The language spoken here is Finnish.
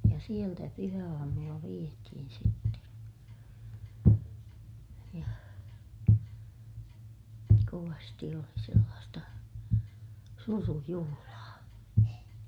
ja sieltä pyhäaamulla vietiin sitten ja kovasti oli sellaista surujuhlaa